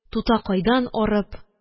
Тутакайдан арып